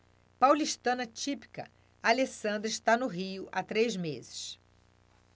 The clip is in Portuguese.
paulistana típica alessandra está no rio há três meses